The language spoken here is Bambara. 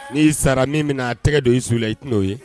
N'i sara min bɛna a tɛgɛ don i su la i t n'o ye